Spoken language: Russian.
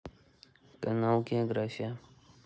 канал география